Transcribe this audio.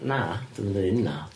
Na, dwi'm yn deud ynna.